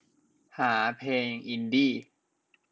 หาเพลงอินดี้